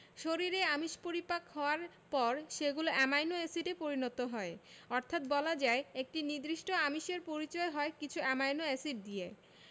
শরীরে আমিষ পরিপাক হওয়ার পর সেগুলো অ্যামাইনো এসিডে পরিণত হয় অর্থাৎ বলা যায় একটি নির্দিষ্ট আমিষের পরিচয় হয় কিছু অ্যামাইনো এসিড দিয়ে